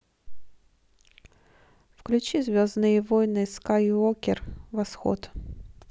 включи звездные войны скайуокер восход